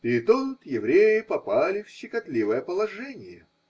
И тут евреи попали в щекотливое положение.